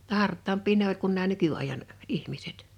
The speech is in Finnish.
jotta hartaampia ne oli kuin nämä nykyajan ihmiset